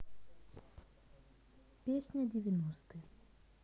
песня девяностые